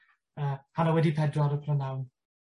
Yy hanner wedi pedwar y prynawn.